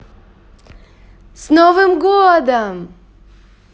с новым годом